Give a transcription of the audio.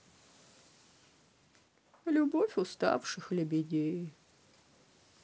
любовь уставших лебедей